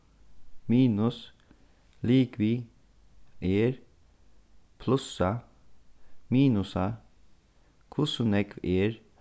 minus ligvið er plussa minusa hvussu nógv er